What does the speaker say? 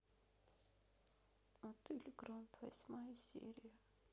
отель гранд восьмая серия